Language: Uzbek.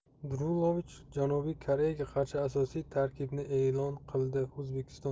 drulovich janubiy koreyaga qarshi asosiy tarkibni e'lon qildio'zbekiston